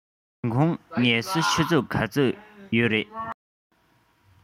ཉིན གུང ངལ གསོ ཆུ ཚོད ག ཚོད ཡོད རས